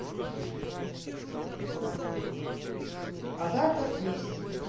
агата кристи